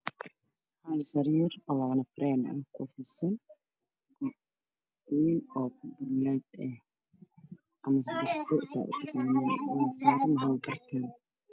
Sarir oo labo nafaray ah